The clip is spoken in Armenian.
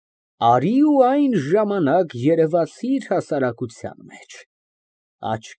Երեկոները ես տխրում եմ ու հուզվում և միշտ այս եղանակը հիշում։ ԲԱԳՐԱՏ ֊ Եվ նվագում ես պոետիկական մթության մեջ, որպես իդեալական սիրահար։